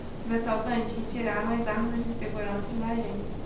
os assaltantes retiraram as armas dos seguranças da agência